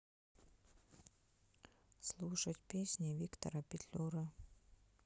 слушать песни виктора петлюры